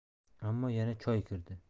ammo yana choy kirdi